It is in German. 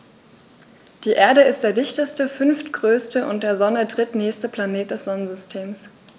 Die Erde ist der dichteste, fünftgrößte und der Sonne drittnächste Planet des Sonnensystems.